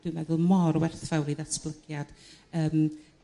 dwi'n meddwl mor werthfawr i ddatblygiad yrm